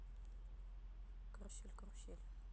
карусель карусель